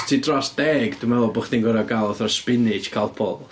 Os ti dros deg dwi'n meddwl bod chdi'n gorfod cael fatha spinach Calpol.